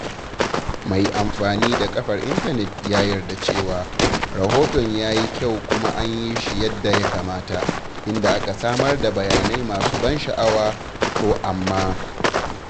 Mai amfani da kafar intanet ya yarda cewa, rahoton ya yi kyau kuma an yi shi yadda ya kamata, inda aka samar da bayanai masu ban sha'awa, to amma….